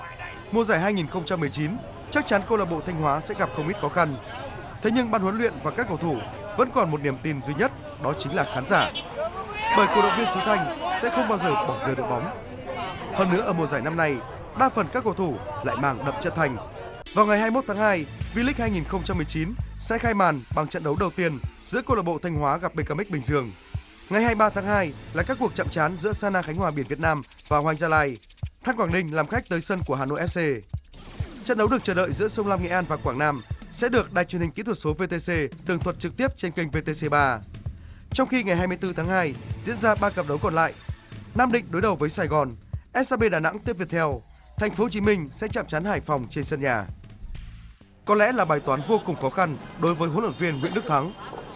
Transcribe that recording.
mùa giải hai nghìn không trăm mười chín chắc chắn câu lạc bộ thanh hóa sẽ gặp không ít khó khăn thế nhưng ban huấn luyện và các cầu thủ vẫn còn một niềm tin duy nhất đó chính là khán giả bởi cổ động viên xứ thanh sẽ không bao giờ bỏ rơi đội bóng hơn nữa ở mùa giải năm nay đa phần các cầu thủ lại mang đậm chất thanh vào ngày hai mốt tháng hai vi lích hai nghìn không trăm mười chín sẽ khai màn bằng trận đấu đầu tiên giữa câu lạc bộ thanh hóa gặp bê ca mếch bình dương ngày hai ba tháng hai là các cuộc chạm trán giữa xan na khánh hòa biển việt nam hoàng anh gia lai than quảng ninh làm khách tới sân của hà nội ép xê trận đấu được chờ đợi giữa sông lam nghệ an và quảng nam sẽ được đài truyền hình kỹ thuật số vê tê xê tường thuật trực tiếp trên kênh vê tê xê ba trong khi ngày hai mươi tư tháng hai diễn ra ba cặp đấu còn lại nam định đối đầu với sài gòn ét hát bê đà nẵng tiếp việt theo thành phố hồ chí minh sẽ chạm trán hải phòng trên sân nhà có lẽ là bài toán vô cùng khó khăn đối với huấn luyện viên nguyễn đức thắng